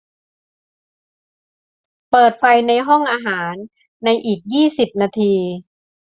เปิดไฟในห้องอาหารในอีกยี่สิบนาที